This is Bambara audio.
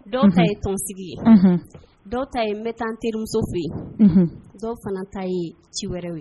Dɔw fɛ ye tɔnonsigi ye dɔw ta ye n bɛ taa terimuso fɛ yen dɔw fana ta ye ci wɛrɛw ye